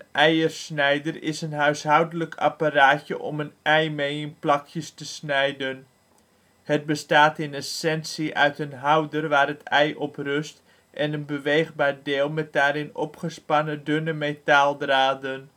eiersnijder is een huishoudelijk apparaatje om een ei mee in plakjes te snijden. Het bestaat in essentie uit een houder waar het ei op rust en een beweegbaar deel met daarin opgespannen dunne metaaldraden